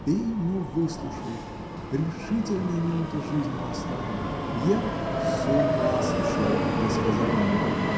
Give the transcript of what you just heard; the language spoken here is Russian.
бей, но выслушай: решительная минута жизни настала — я. — С ума сошел! — досказала она.